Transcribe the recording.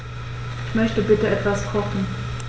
Ich möchte bitte etwas kochen.